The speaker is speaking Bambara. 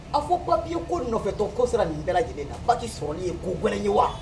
A fɔ ko papier nɔfɛ tɔ ko sera nin bɛɛ lajɛlen na . Bac sɔrɔli ye ko gɛlɛn ye wa?